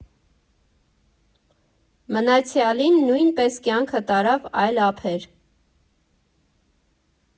Մնացյալին նույնպես կյանքը տարավ այլ ափեր։